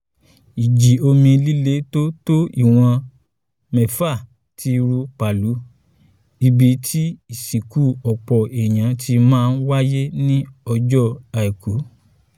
Ìjì omi líle tó tó ìwọn mẹ́fà ti run Palu; ibi tí ìsìnkú ọ̀pọ̀ èèyàn ti máa wáyé ní ọjọ́ Àìkú.